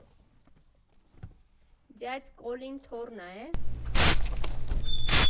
֊ Ձյաձ Կոլին թոռնա, էէ։